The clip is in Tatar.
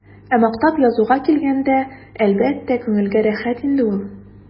Ә мактап язуга килгәндә, әлбәттә, күңелгә рәхәт инде ул.